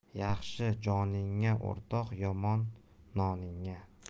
yaxshi joningga o'rtoq yomon noningga